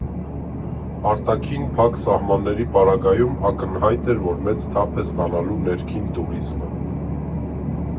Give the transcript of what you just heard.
Արտաքին փակ սահմանների պարագայում ակնհայտ էր, որ մեծ թափ է ստանալու ներքին տուրիզմը։